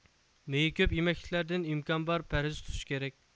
مېيى كۆپ يېمەكلىكلەردىن ئىمكان بار پەرھىز تۇتۇش كېرەك